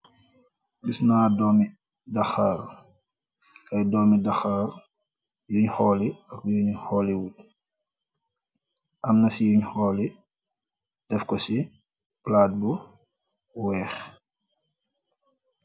Gisna dormi dakharr, aiiy dormi dakharr yungh horli ak yungh horli wut, amna ci yungh horli defkor ci plat bu wekh.